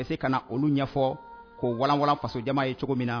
A bɛ se ka na olu ɲɛ ɲɛfɔ ko wawalan fasojama ye cogo min na